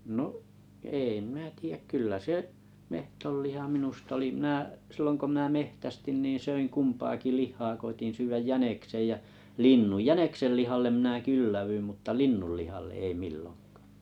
no ei minä tiedä kyllä se metsonliha minusta oli silloin kun minä metsästin niin söin kumpaakin lihaa koetin syödä jäniksen ja linnun jäniksenlihalle minä kylläännyin mutta linnunlihalle ei milloinkaan